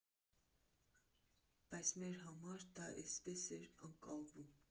Բայց մեր համար դա էսպես էր ընկալվում.